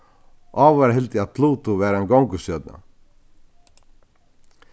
áður varð hildið at pluto var ein gongustjørna